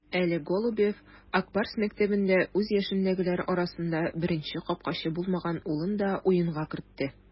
Әле Голубев "Ак Барс" мәктәбендә үз яшендәгеләр арасында беренче капкачы булмаган улын да уенга кертте.